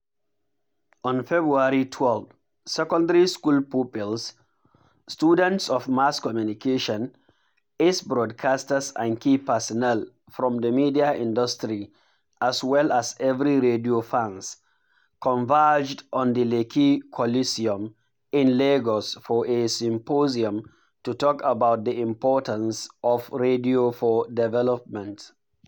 On February 12, secondary school pupils, students of mass communication, ace broadcasters and key personnel from the media industry as well as everyday radio fans converged on the Lekki Coliseum in Lagos for a symposium to talk about the importance of radio for development.